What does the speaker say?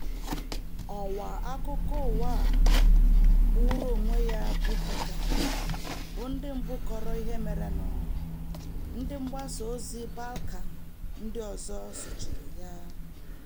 Ọwa akụkọ ụwa kwụụrụ onwe ya bụ Buka bụ ndị mbụ kọrọ ihe merenụ, ndị mgbasa ozi Balkan ndị ọzọ sochiri ya.